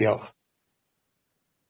Diolch.